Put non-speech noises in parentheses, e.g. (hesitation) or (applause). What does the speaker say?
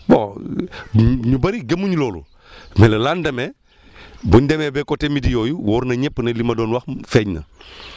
bon (hesitation) ñu bëri gëmuñu loolu (breath) mais le lendemain (breath) buñ demee ba côté midi yooyu wóor na ñëpp ne li ma doon wax feeñ na (breath)